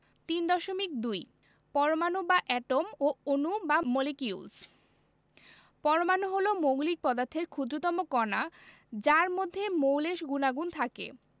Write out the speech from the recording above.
৩.২ পরমাণু বা এটম ও অণু বা মলিকিউলস পরমাণু হলো মৌলিক পদার্থের ক্ষুদ্রতম কণা যার মধ্যে মৌলের গুণাগুণ থাকে